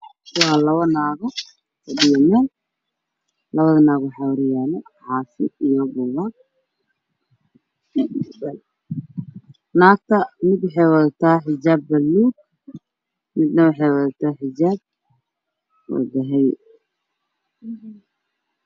Waa labada naag fadhiya meel mid waxay watahay xijaab qaxay u tahay buluug